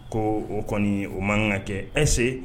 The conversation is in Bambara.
Ko o kɔni o man kan ka kɛ ɛse